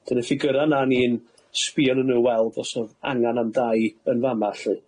'Dyn yn y ffigyra' yna o'n i'n sbïo arnyn n'w i weld os o'dd angan am dai yn fa'ma lly.